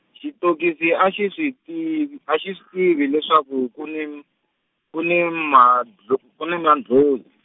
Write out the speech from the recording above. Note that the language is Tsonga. xitokisi a xi swi tiv-, a xi swi tivi leswaku ku ni m-, ku ni madlo-, ku ni mandlhozi.